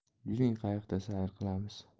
yuring qayiqda sayr qilamiz